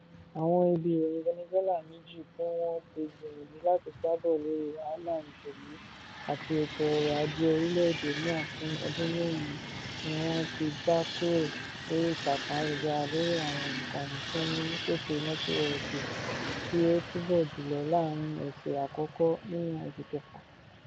Àwọn ibi ìròyìn Venezuela méjì tí wọ́n ti gbìyànjú láti jábọ̀ lórí wàhálà òṣèlú àti ètò ọ̀rọ̀ ajé orílẹ̀ èdè náà fún ọdún mẹ́rin ni wọ́n ti já kúrò lórí ìtàkùn ayélujára lórí àwọn ìkànnì tí ó ń pèsè nẹ́tíwọ́ọ̀kì tí ó tóbi jùlọ láàárín ọ̀sẹ̀ àkọ́kọ́ nínú oṣù kẹfà.